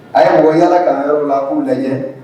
A y' mɔgɔ yalala ka yɔrɔ la k'u lajɛ